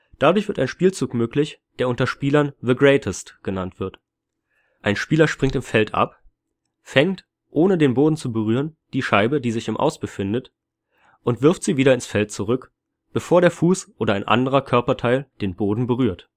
Dadurch wird ein Spielzug möglich, der unter Spielern The Greatest genannt wird: Ein Spieler springt im Feld ab, fängt ohne den Boden zu berühren die Scheibe, die sich im „ Aus “befindet, und wirft sie wieder ins Feld zurück, bevor der Fuß oder ein anderer Körperteil den Boden berührt